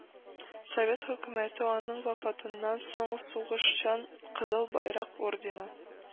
Совет хөкүмәте аны вафатыннан соң Сугышчан Кызыл Байрак ордены